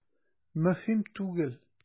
Мөһим түгел.